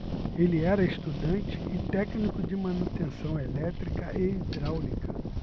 ele era estudante e técnico de manutenção elétrica e hidráulica